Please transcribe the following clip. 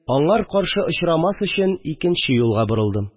Аңар каршы очрамас өчен, икенче юлга борылдым